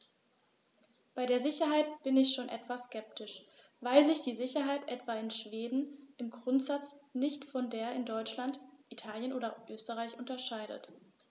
Bei der Sicherheit bin ich schon etwas skeptisch, weil sich die Sicherheit etwa in Schweden im Grundsatz nicht von der in Deutschland, Italien oder Österreich unterscheidet.